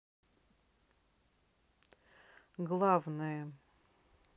главное